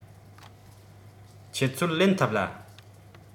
ཁྱེད ཚོར ལེན ཐུབ ལ